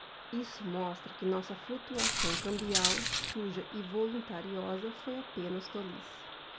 isso mostra que nossa flutuação cambial suja e voluntariosa foi apenas tolice